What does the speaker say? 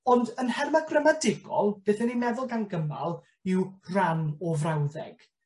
ond yn nherme grymadegol beth 'yn ni'n meddwl gan gymal yw rhan o frawddeg.